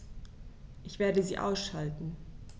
Ich werde sie ausschalten